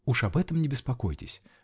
-- Уж об этом не беспокойтесь!